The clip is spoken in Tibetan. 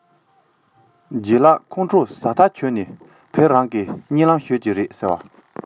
ལྗད ལགས ཁོང ཁྲོ ཟ ཐག ཆོད ནས ཕེད རང གིས གཉིད ལམ ཤོད ཀྱིས ཟེར བས